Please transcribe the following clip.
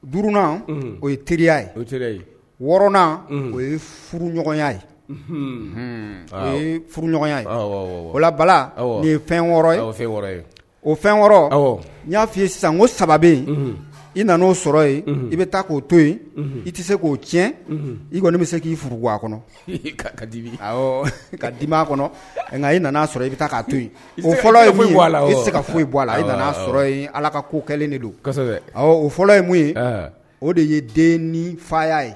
Bna o ye teriya ye wɔɔrɔnan o ye furu ɲɔgɔnya ye o ye furu ɲɔgɔnya ye o bala ye fɛn wɔɔrɔ o fɛn wɔɔrɔ n y'a fɔ san ko saba i nana oo sɔrɔ yen i bɛ taa k'o to yen i tɛ se k'o tiɲɛ i kɔni bɛ se k'i furu a kɔnɔ dibi ka di' kɔnɔ nka nka i nana sɔrɔ i bɛ taa k' to o a la i bɛ se ka foyi' a la i sɔrɔ ala ka ko kɛ de don o fɔlɔ ye mun ye o de ye den ni faya ye